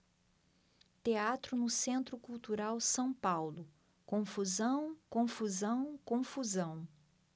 teatro no centro cultural são paulo confusão confusão confusão